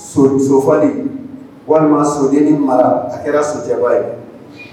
Somuso falen, walima soden min mara a kɛra socɛba ye.